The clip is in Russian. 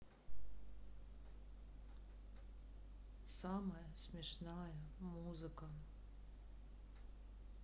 самая смешная музыка